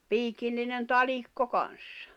piikillinen talikko kanssa